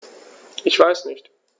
Ich weiß nicht.